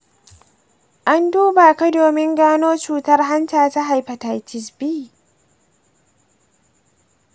an duba ka domin gano cutar hanta ta hepatitis b?